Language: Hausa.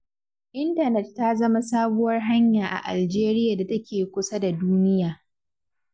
Intanet ta zama sabuwar hanya a Algeria da take kusa da duniya.